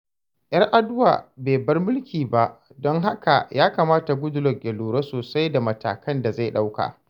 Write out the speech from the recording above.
Yar'adua bai bar mulki ba, don haka ya kamata Goodluck ya lura sosai da matakan da zai ɗauka.